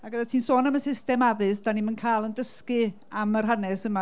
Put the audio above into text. Ac oeddet ti'n sôn am y system addysg, dan ni'm yn cael ein dysgu am yr hanes yma.